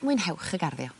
mwynhewch y garddio.